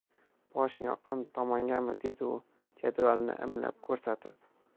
boshing oqqan tomongami dedi u jadvalni imlab ko'rsatib